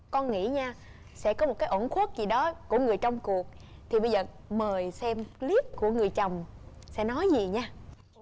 con nghĩ nha sẽ có một cái uẩn khuất gì đó của người trong cuộc thì bây giờ mời xem líp của người chồng sẽ nói gì nha